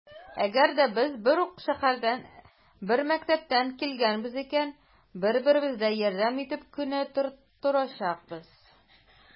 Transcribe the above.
Әгәр дә без бер үк шәһәрдән, бер мәктәптән килгәнбез икән, бер-беребезгә ярдәм итеп кенә торачакбыз.